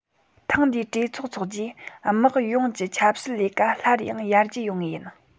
ཐེངས འདིའི གྲོས ཚོགས འཚོགས རྗེས དམག ཡོངས ཀྱི ཆབ སྲིད ལས ཀ སླར ཡང ཡར རྒྱས ཡོང ངེས ཡིན